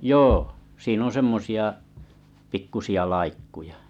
joo siinä on semmoisia pikkuisia laikkuja